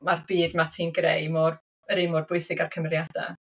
Mae'r byd 'ma ti'n greu mor... yr un mor bwysig â'r cymeriadau.